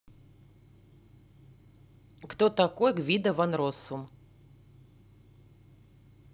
кто такой гвидо ван россум